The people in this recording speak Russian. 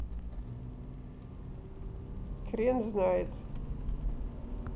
хрен знает